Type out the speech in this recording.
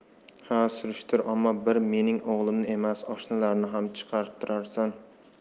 ha surishtir omma bir mening o'g'limni emas oshnalarini ham chiqartirasan